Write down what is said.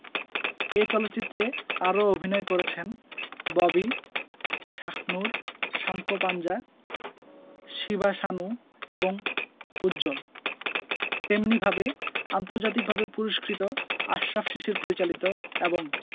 এ চলচ্চিত্রে আরও অভিনয় করেছেন ববি শাহনূর সাঙ্কোপাঞ্জা শিবা সানু এবং উজ্জ্বল তেমনিভাবে আন্তর্জাতিকভাবে পুরস্কৃত আশরাফ শিশির পরিচালিত এবং